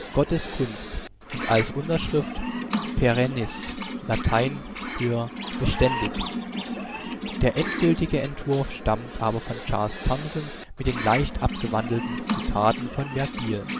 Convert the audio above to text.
Gottes Gunst) und als Unterschrift „ Perennis “(lat.: beständig). Der endgültige Entwurf stammt aber von Charles Thomson mit den leicht abgewandelten Zitaten von Vergil